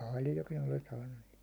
paljonkin olen saanut niitä